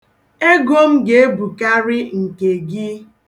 Ego m ga-ebukarị nke gị.